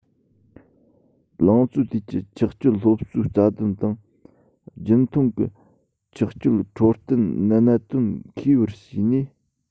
ལང ཚོའི དུས ཀྱི ཆགས སྤྱོད སློབ གསོའི རྩ དོན དང རྒྱུན མཐོང གི ཆགས སྤྱོད འཕྲོད བསྟེན གནད དོན ཤེས བར བྱས ནས